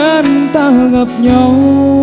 ta gặp nhau